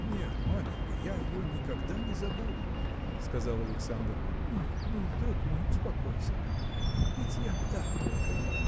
нет, маменька, я ее никогда не забуду! – сказал Александр. – Ну, ну, друг мой, успокойся! ведь я так только.